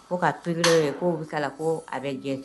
Ko ka to ko' bɛ taa ko a bɛ jɛ